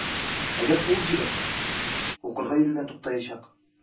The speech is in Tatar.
Әгәр куып җибәрсәм, укырга йөрүдән туктаячак.